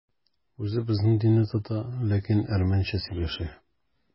Үзе безнең динне тота, ләкин әрмәнчә сөйләшә.